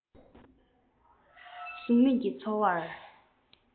གཟུགས མེད ཀྱི ཚོར བ